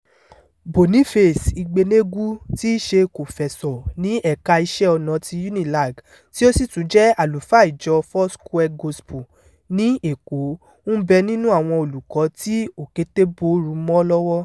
Boniface Igbeneghu, tí í ṣe kòfẹ́sọ̀ ní ẹ̀ka iṣẹ́ ọnà ti UNILAG, tí ó sì tún jẹ́ àlùfáà Ìjọ Foursquare Gospel, ní Èkó, ń bẹ nínú àwọn olùkọ́ tí òkété bórù mọ́ lọ́wọ́.